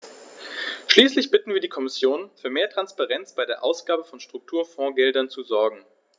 Schließlich bitten wir die Kommission, für mehr Transparenz bei der Ausgabe von Strukturfondsgeldern zu sorgen.